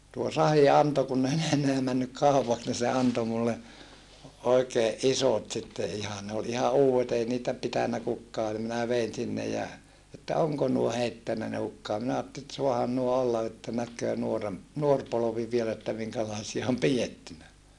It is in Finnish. tuo Sahi antoi kun ei ne enää mennyt kaupaksi niin se antoi minulle oikein isot sitten ihan ne oli ihan uudet ei niitä pitänyt kukaan niin minä vein sinne ja että onko nuo heittänyt ne hukkaan minä ajattelin että saahan nuo olla että näkee - nuori polvi vielä että minkälaisia on pidetty